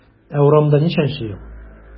Ә урамда ничәнче ел?